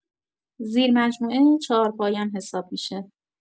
زیرمجموعه چهارپایان حساب می‌شه